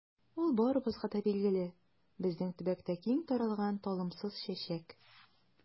Ул барыбызга да билгеле, безнең төбәктә киң таралган талымсыз чәчәк.